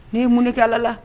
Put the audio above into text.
N'i ye munkɛlala